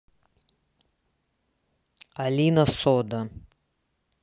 alina сода